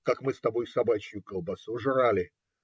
Как мы с тобою собачью колбасу жрали?